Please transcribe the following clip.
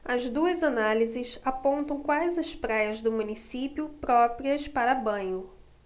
as duas análises apontam quais as praias do município próprias para banho